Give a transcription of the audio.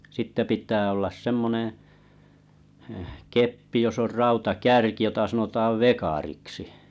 sitten pitää olla semmoinen - keppi jossa on rautakärki jota sanotaan vekariksi